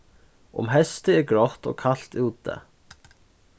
um heystið er grátt og kalt úti